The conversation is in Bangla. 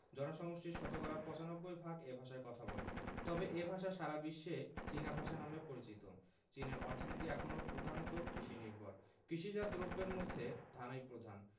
জনসমষ্টির শতকরা ৯৫ ভাগ এ ভাষায় কথা বলে তবে এ ভাষা সারা বিশ্বে চীনা ভাষা নামে পরিচিত চীনের অর্থনীতি এখনো প্রধানত কৃষিনির্ভর কৃষিজাত দ্রব্যের মধ্যে ধানই প্রধান